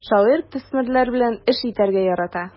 Шагыйрь төсмерләр белән эш итәргә ярата.